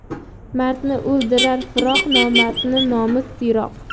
mardni o'ldirar firoq nomarddan nomus yiroq